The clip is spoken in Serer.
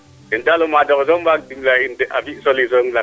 ten daal o maado xe soom waag dimle a in de a fi solution lakas